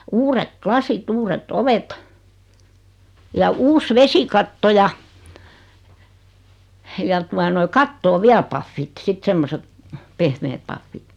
uudet lasit uudet ovet ja uusi vesikatto ja ja tuota noin kattoon vielä pahvit sitten semmoiset pehmeät pahvit